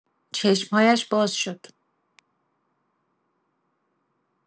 چشم‌هایش باز شد.